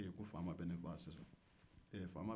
ko faama bɛ nin faa sisan